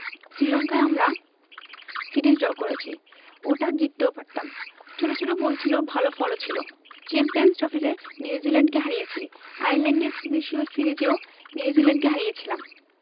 শ্রীলঙ্কায় আমরা series draw করেছি ওটা জিততেও পারতাম ছোট ছোট ভুল ছিল ভালো ফলও ছিল চ্যাম্পিয়নস ট্রফিতে নিউজিল্যান্ডকে হারিয়েছি আয়ারল্যান্ডে ত্রিদেশীয় সিরিজেও নিউজিল্যান্ডকে হারিয়েছিলাম